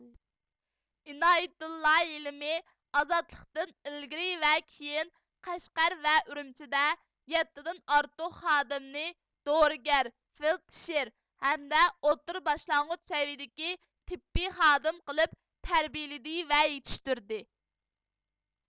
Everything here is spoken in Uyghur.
ئىنايىتۇللا ھېلىمى ئازادلىقتىن ئىلگىرى ۋە كېيىن قەشقەر ۋە ئۈرۈمچىدە يەتتىدىن ئارتۇق خادىمنى دورىگەر فېلدشېر ھەمدە ئوتتۇرا باشلانغۇچ سەۋىيىدىكى تىببىي خادىم قىلىپ تەربىيىلىدى ۋە يېتىشتۈردى